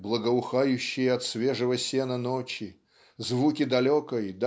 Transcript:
благоухающие от свежего сена ночи звуки далекой